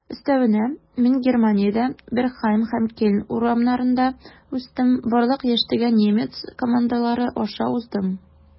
Өстәвенә, мин Германиядә, Бергхайм һәм Кельн урамнарында үстем, барлык яшьтәге немец командалары аша уздым.